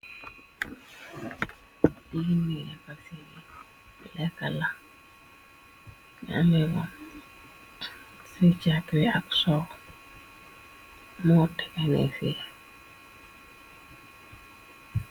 Li nee maai seen leka la mongi ame fi cxakiri ak sowe mo teke nee me fi.